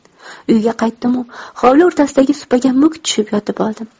uyga qaytdimu hovli o'rtasidagi supaga muk tushib yotib oldim